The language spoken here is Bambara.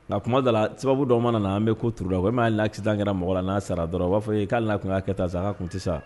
Nka kumadɔ laa sababu dɔw mana naa an bɛ ko turuda walima hali ni accident kɛra mɔgɔ la n'a sara dɔrɔn u b'a fɔ ee k'ali n'a kun y'a kɛ tan sa k'a kun ti sa